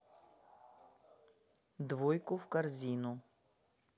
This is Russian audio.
двойку в корзину